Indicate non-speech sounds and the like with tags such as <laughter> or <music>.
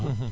<hesitation> <hesitation>